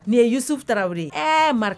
Nin yesuwfu tarawele ye ɛɛ